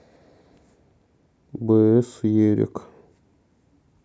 бс ерик